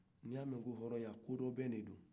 n'i y'a mɛ ko hɔrɔya kolabɛ dedo